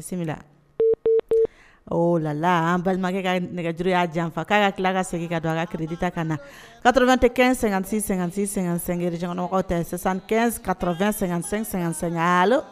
Bisimila, holala an balimakɛ ka nɛgɛjuru y'a janfa k'a ka tilala ka segin ka don, a ka crédit ta ka na 95 56 56 55 régionaux aw ta ye 75 80 55 55 Allo